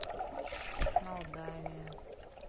молдавия